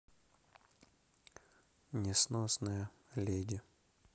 несносная леди